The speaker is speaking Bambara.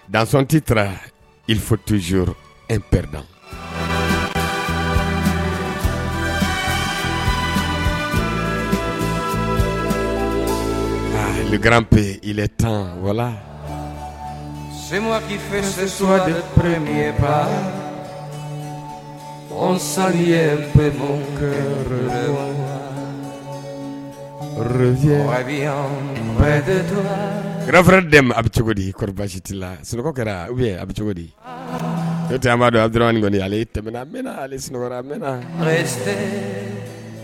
Dansonon tɛ taara ip toz npɛ kararan bɛ tan wala sɛ fɛ basari ye kirafa dɛmɛ a bɛ cogo dijitila se kɛra u a bɛ cogo dite amadu adi kɔniɔni ale tɛmɛna ali a m